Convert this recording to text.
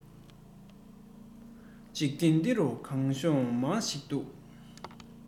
འཇིག རྟེན འདི རུ སྒང གཤོང མང ཞིག འདུག